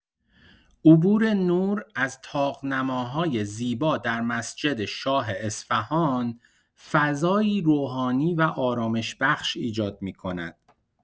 عبور نور از طاق‌نماهای زیبا در مسجد شاه اصفهان، فضایی روحانی و آرامش‌بخش ایجاد می‌کند.